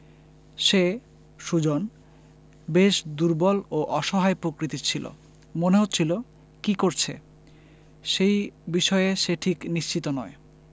সে সুজন বেশ দুর্বল ও অসহায় প্রকৃতির ছিল মনে হচ্ছিল কী করছে সেই বিষয়ে সে ঠিক নিশ্চিত নয়